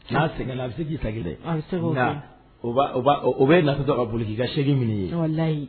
Ca sɛgɛn a bɛ se k'i segin o bɛ natɔ a boli k' ka seli minɛ ye